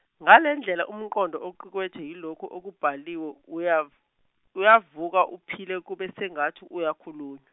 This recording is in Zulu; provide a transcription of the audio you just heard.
ngalendlela umqondo oqukethwe yilokho okubhaliwe uyav- uyavuka uphile kube sengathi uyakhulunywa.